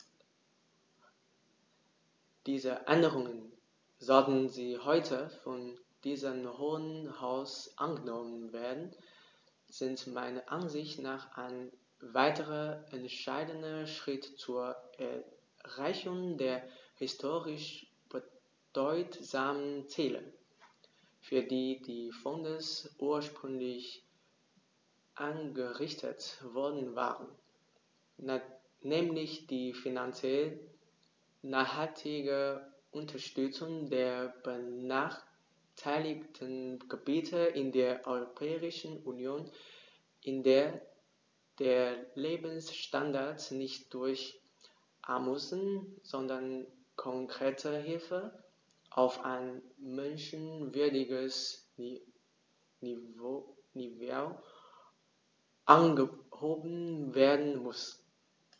Diese Änderungen, sollten sie heute von diesem Hohen Haus angenommen werden, sind meiner Ansicht nach ein weiterer entscheidender Schritt zur Erreichung der historisch bedeutsamen Ziele, für die die Fonds ursprünglich eingerichtet worden waren, nämlich die finanziell nachhaltige Unterstützung der benachteiligten Gebiete in der Europäischen Union, in der der Lebensstandard nicht durch Almosen, sondern konkrete Hilfe auf ein menschenwürdiges Niveau angehoben werden muss.